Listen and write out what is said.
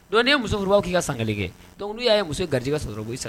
Dɔn muso k'i ka san kelen kɛ don n' y'a muso garidi ka sɔrɔ b' sara